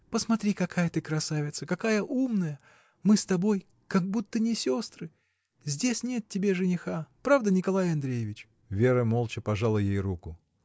— Посмотри, какая ты красавица, какая умная, — мы с тобой — как будто не сестры! здесь нет тебе жениха. Правда, Николай Андреевич? Вера молча пожала ей руку.